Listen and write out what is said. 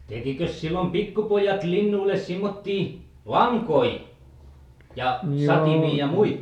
tekikös silloin pikkupojat linnuille semmoista lankoja ja satimia ja muita